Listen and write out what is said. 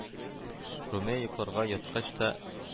Румия йокларга яткачта